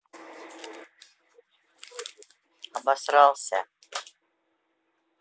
обосрался